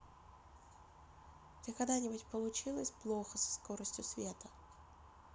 ты когда нибудь получилась плоха со скоростью света